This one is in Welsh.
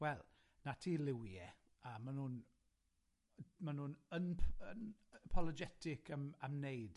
Wel, 'na ti liwie, a ma' nw'n m- ma' nw'n unp- unapologetic am am neud